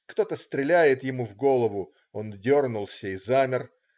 Кто-то стреляет ему в голову, он дернулся и замер.